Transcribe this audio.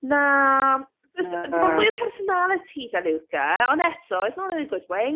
Na... Na... Mae mwy o personality ‘da Luca. Ond eto, it’s not in a good way.